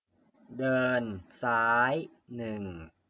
เดินซ้ายหนึ่ง